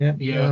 Ie. Ie.